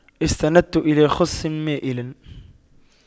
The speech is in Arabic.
استندت إلى خصٍ مائلٍ